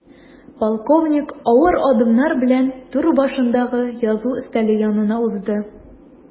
Полковник авыр адымнар белән түр башындагы язу өстәле янына узды.